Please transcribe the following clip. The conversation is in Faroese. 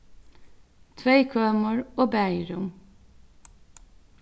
tvey kømur og baðirúm